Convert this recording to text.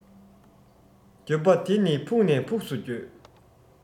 འགྱོད པ དེ ནི ཕུགས ནས ཕུགས སུ འགྱོད